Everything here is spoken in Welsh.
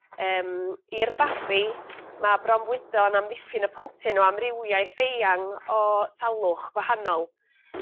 Yym i'r babi ma' bronfwydo'n amddiffyn y plentyn o amrywiaeth eang o salwch gwahanol.